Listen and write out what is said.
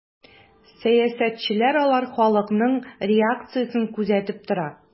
Сәясәтчеләр алар халыкның реакциясен күзәтеп тора.